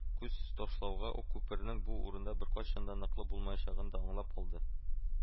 Күз ташлауга ук күпернең бу урында беркайчан да ныклы булмаячагын да аңлап алды